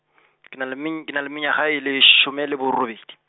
ke na le men- ke na le menyaga e le some le borobedi.